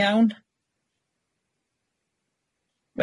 Iawn.